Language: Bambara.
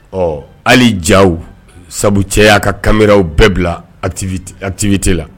Ɔ hali ja sabu cɛ y'a ka kanmeraw bɛɛ bila abi a tibite la